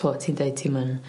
T'mo' ti'n deud ti'm yn